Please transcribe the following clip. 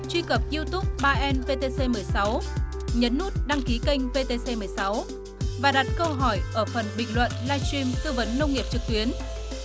truy cập diu túp ba en vê tê xê mười sáu nhấn nút đăng ký kênh vê tê xê mười sáu và đặt câu hỏi ở phần bình luận lai trim tư vấn nông nghiệp trực tuyến